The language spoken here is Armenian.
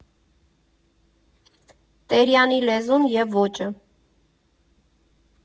Տերյանի լեզուն և ոճը։